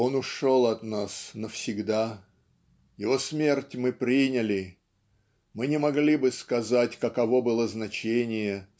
"Он ушел от нас навсегда. Его смерть мы приняли. Мы не могли бы сказать каково было значение